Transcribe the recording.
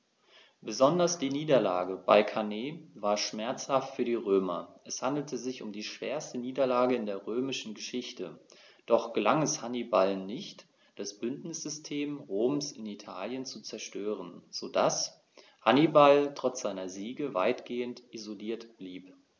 Besonders die Niederlage bei Cannae war schmerzhaft für die Römer: Es handelte sich um die schwerste Niederlage in der römischen Geschichte, doch gelang es Hannibal nicht, das Bündnissystem Roms in Italien zu zerstören, sodass Hannibal trotz seiner Siege weitgehend isoliert blieb.